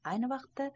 ayni vaqtda